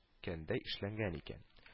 Кәндәй эшләнгән икән